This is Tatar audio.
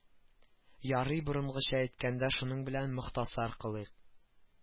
Ярый борынгыча әйткәндә шуның белән мохтасар кылыйк